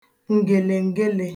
ǹgèlèǹgelē